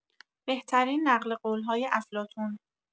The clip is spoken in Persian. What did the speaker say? بهترین نقل‌قول‌های افلاطون